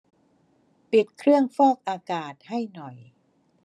ปิดเครื่องฟอกอากาศให้หน่อย